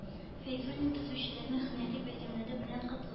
Фәйзуллин төзүчеләрне һөнәри бәйрәмнәре белән котлый